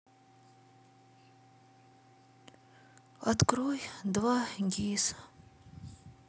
открой два гис